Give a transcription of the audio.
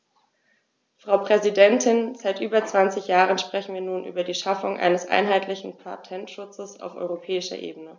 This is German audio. Frau Präsidentin, seit über 20 Jahren sprechen wir nun über die Schaffung eines einheitlichen Patentschutzes auf europäischer Ebene.